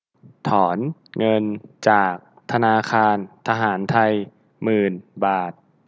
ถอนเงินจากธนาคารทหารไทยหมื่นบาท